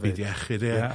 byd iechyd ia?